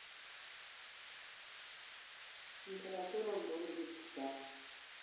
температура в городе чита